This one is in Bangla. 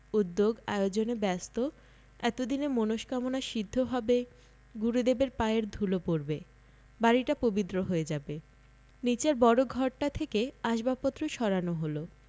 উদ্যোগ আয়োজনে ব্যস্ত এতদিনে মনস্কামনা সিদ্ধ হবে গুরুদেবের পায়ের ধুলো পড়বে বাড়িটা পবিত্র হয়ে যাবে নীচের বড় ঘরটা থেকে আসবাবপত্র সরানো হলো